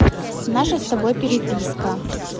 наша с тобой переписка